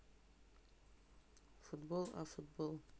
футбол а футбол